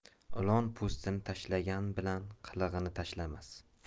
ilon po'stini tashlagani bilan qilig'ini tashlamas